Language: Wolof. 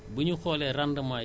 donc xëy na daañu ci waxtaan